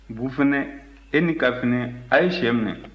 bufunɛ e ni kafunɛ a' ye shɛ minɛ